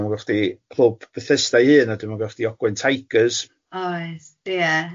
Ma' gynna chdi clwb Bethesda'i hun a dwi'n meddwl ma' gynna chdi Ogwen Tigers... Oes ie.